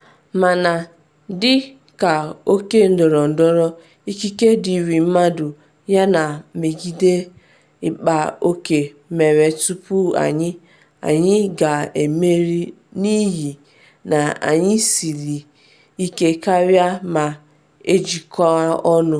Mana, dị ka oke ndọrọndọrọ ikike dịịrị mmadụ yana mmegide ịkpa oke mere tupu anyị, anyị ga-emeri, n’ihi na anyị siri ike karịa ma ejikọọ ọnụ.